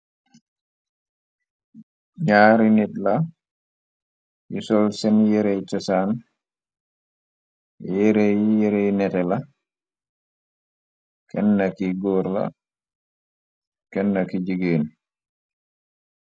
Ñaari nit la, yi sol seen yerey tësaan, yerey-yerey neté la, ken na ki góor, la kenna ki jigéen.